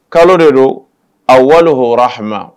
Kalo de don a wali hra ha